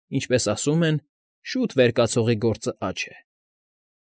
Ինչպես ասում են. շուտ վերկացողի գործը աջ է, թե ինչ։